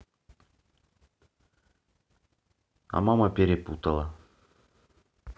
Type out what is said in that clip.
а мама перепутала